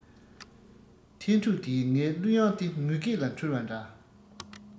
ཐན ཕྲུག དེས ངའི གླུ དབྱངས དེ ངུ སྐད ལ འཁྲུལ བ འདྲ